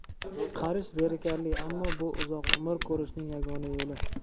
qarish zerikarli ammo bu uzoq umr ko'rishning yagona yo'li